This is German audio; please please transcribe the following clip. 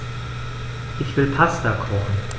Ich will Pasta kochen.